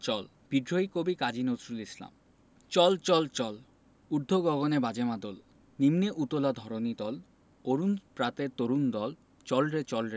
০৪ কবিতা চল চল চল বিদ্রোহী কবি কাজী নজরুল ইসলাম চল চল চল ঊর্ধ্ব গগনে বাজে মাদল নিম্নে উতলা ধরণি তল